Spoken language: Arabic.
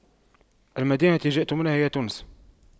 المدينة التي جئت منها هي تونس